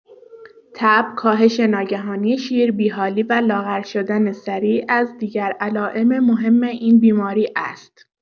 تب، کاهش ناگهانی شیر، بی‌حالی و لاغر شدن سریع از دیگر علائم مهم این بیماری است.